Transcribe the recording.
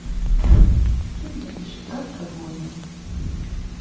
ты горишь как огонь я